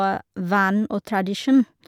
og vane og tradisjon.